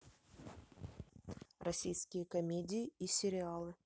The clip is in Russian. российские комедии и сериалы